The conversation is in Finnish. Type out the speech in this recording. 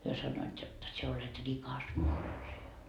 he sanoivat jotta sinä olet rikas morsian